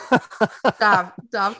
Daf, Daf